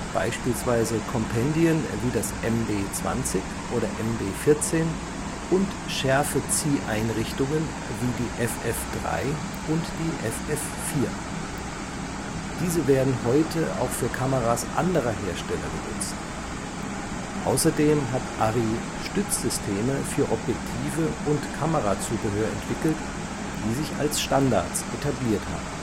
beispielsweise Kompendien wie das MB-20 oder MB-14 und Schärfezieheinrichtungen wie die FF-3 und FF-4. Diese werden heute auch für Kameras anderer Hersteller genutzt. Außerdem hat Arri Stützsysteme für Objektive und Kamerazubehör entwickelt, die sich als Standards etabliert haben